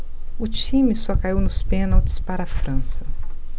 o time só caiu nos pênaltis para a frança